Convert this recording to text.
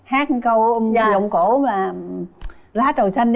hát câu giọng cổ mà lá trầu xanh đi